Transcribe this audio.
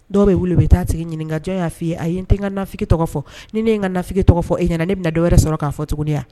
Dɔw bɛ bolo bɛ taa sigi ɲininkaka ja y'a fɔ i a ye n kafin tɔgɔ fɔ ni ne n ka nafin tɔgɔ fɔ e ɲɛna ne na dɔwɛrɛ sɔrɔ k'a fɔ tugun yan